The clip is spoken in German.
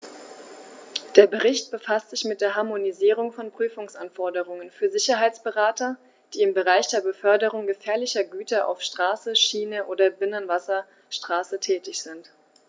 Der Bericht befasst sich mit der Harmonisierung von Prüfungsanforderungen für Sicherheitsberater, die im Bereich der Beförderung gefährlicher Güter auf Straße, Schiene oder Binnenwasserstraße tätig sind.